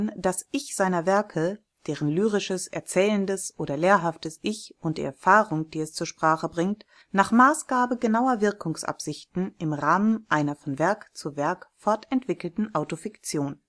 das Ich seiner Werke – deren lyrisches, erzählendes oder lehrhaftes Ich und die Erfahrung, die es zur Sprache bringt – nach Maßgabe genauer Wirkungsabsichten im Rahmen einer von Werk zu Werk fortentwickelten „ Autofiktion